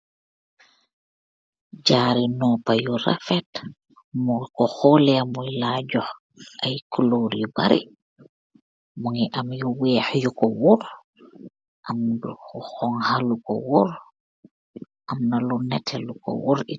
Jaruh nopah yu emm lu werta , so kooh holeh bun laa jooh ayy culoor yu bareh bukeh emm yu weeh yukoh worr , emm lu honha lukoh worr , emm na lu neteh lukoh worr.